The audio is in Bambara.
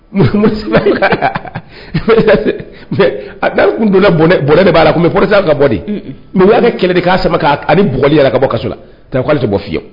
A da tun donna de b'a la mɛ p ka bɔ mɛ' de kɛlɛ k' sama ani bɔli yɛrɛ ka bɔ ka k'ale tɛ bɔ fiye